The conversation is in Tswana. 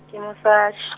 ke mosa- .